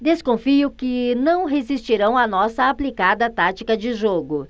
desconfio que não resistirão à nossa aplicada tática de jogo